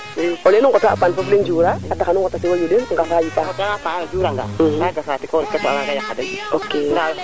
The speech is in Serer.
bo ndiik kam lamit ke rek i nga e tamit a ɗingale maya daaɗ lool a maya njoxb daal au lieu avant nu ndufa keke gan ngoxa qol le a ɗinga le wala